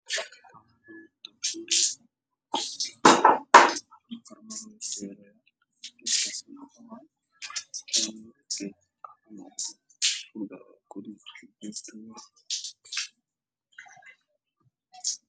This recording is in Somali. Waxaa ii muuqda guri ga saqafkiisa aada u sareeya oo dabaq ah waxaa ku ag yaalla fiilooyin midabkoodu yahay madow